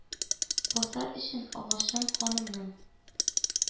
Басар өчен агышын канымның.